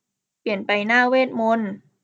เปลี่ยนไปหน้าเวทมนตร์